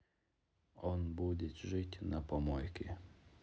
он будет жить на помойке